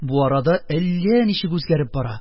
Бу арада әллә ничек үзгәреп бара: